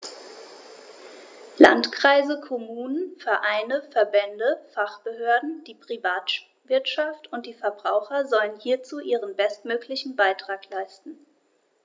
Landkreise, Kommunen, Vereine, Verbände, Fachbehörden, die Privatwirtschaft und die Verbraucher sollen hierzu ihren bestmöglichen Beitrag leisten.